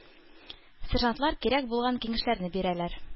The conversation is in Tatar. Сержантлар кирәк булган киңәшләрне бирәләр.